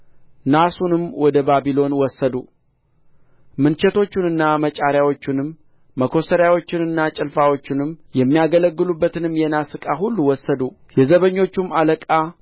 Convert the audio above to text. ናሱንም ወደ ባቢሎን ወሰዱ ምንቸቶቹንና መጫሪያዎቹንም መኰስተሪያዎቹንና ጭልፋዎቹንም የሚያገለግሉበትንም የናስ ዕቃ ሁሉ ወሰዱ የዘበኞቹም አለቃ